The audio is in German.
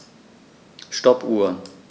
Stoppuhr.